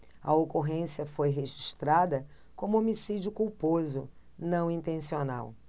a ocorrência foi registrada como homicídio culposo não intencional